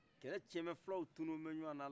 kɛlɛ tiɲɛ ne bɛ fulaw tunun ne bɛ ɲɔgɔn na